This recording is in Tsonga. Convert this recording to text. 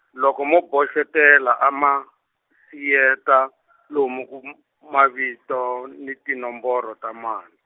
loko mo boxetela a ma, siyeta , lomu ku m-, mavito ni tinomboro ta mali.